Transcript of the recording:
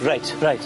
Reit reit.